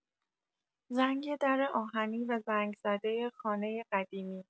زنگ در آهنی و زنگ‌زده خانه قدیمی